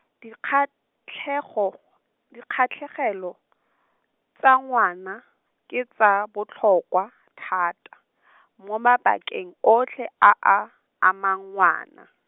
dikgatlhego, dikgatlhegelo, tsa ngwana, ke tsa botlhokwa thata , mo mabakeng otlhe a a, amang ngwana.